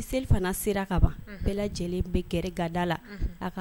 Mi selifana sera ka ban bɛɛ lajɛlen bɛ g gada la